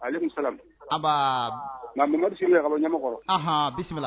Ale sa a nkambili ka ɲɛkɔrɔ bisimila